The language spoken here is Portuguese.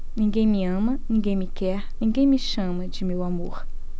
ninguém me ama ninguém me quer ninguém me chama de meu amor